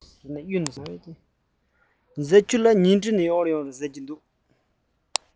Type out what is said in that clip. ཟེར ཡས ལ ཉིང ཁྲི ནས དབོར ཡོང བ རེད ཟེར གྱིས